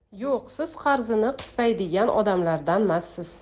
yo'q siz qarzini qistaydigan odamlardanmassiz